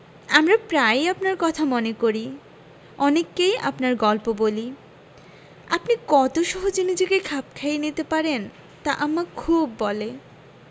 আমরা প্রায়ই আপনারর কথা মনে করি অনেককেই আপনার গল্প করি আপনি কত সহজে নিজেকে খাপ খাইয়ে নিতে পারেন তা আম্মা খুব বলে